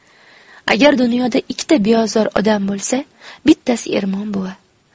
agar dunyoda ikkita beozor odam bo'lsa bittasi ermon buva